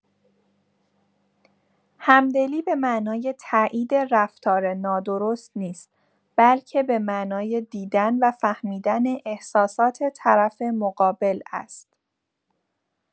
همدلی به معنای تأیید رفتار نادرست نیست، بلکه به معنای دیدن و فهمیدن احساسات طرف مقابل است.